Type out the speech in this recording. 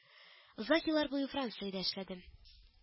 — озак еллар буена франциядә эшләдем